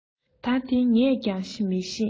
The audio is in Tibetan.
ད དེ ངས ཀྱང མི ཤེས